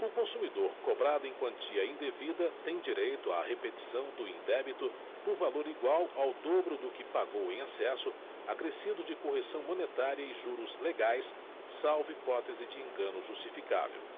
o consumidor cobrado em quantia indevida tem direito à repetição do indébito por valor igual ao dobro do que pagou em excesso acrescido de correção monetária e juros legais salvo hipótese de engano justificável